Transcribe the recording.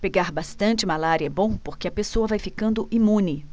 pegar bastante malária é bom porque a pessoa vai ficando imune